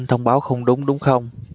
thông báo không đúng đúng không